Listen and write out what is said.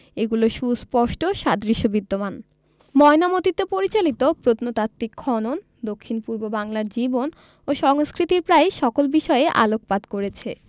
এগুলির সুস্পষ্ট সাদৃশ্য বিদ্যমান ময়নামতীতে পরিচালিত প্রত্নতাত্ত্বিক খনন দক্ষিণ পূর্ব বাংলার জীবন ও সংস্কৃতির প্রায় সকল বিষয়েই আলোকপাত করেছে